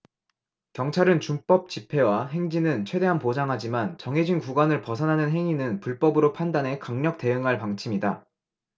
경찰은 준법 집회와 행진은 최대한 보장하지만 정해진 구간을 벗어나는 행위는 불법으로 판단해 강력 대응할 방침이다